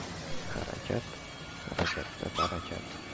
harakat harakatda barakat